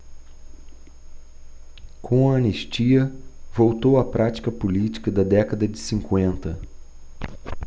com a anistia voltou a prática política da década de cinquenta